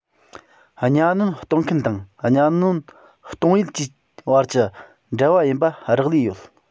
གཉའ གནོན གཏོང མཁན དང གཉའ གནོན གཏོང ཡུལ བཅས དབར གྱི འབྲེལ བ ཡིན པ རག ལས ཡོད